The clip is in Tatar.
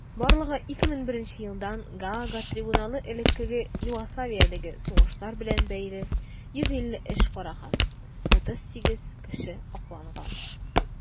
Барлыгы 2001 елдан Гаага трибуналы элеккеге Югославиядәге сугышлар белән бәйле 150 эш караган; 38 кеше акланган.